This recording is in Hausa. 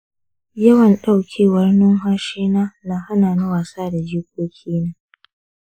yawan ɗaukewar numfashina na hanani wasa da jikokina